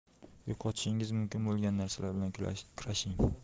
yo'qotishingiz mumkin bo'lgan narsalar uchun kurashing